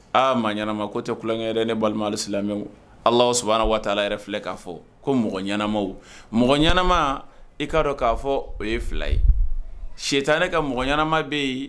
Aa mɔgɔ ɲɛnaanama ko tɛ kukɛ ne balima silamɛ ala aw s wa yɛrɛ filɛ k'a fɔ ko mɔgɔ ɲɛnaanama mɔgɔ ɲɛnaanama i kaa dɔn k'a fɔ o ye fila ye si tan ne ka mɔgɔ ɲɛnaanama bɛ yen